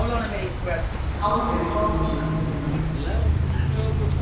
í talvi er drotningin kvinna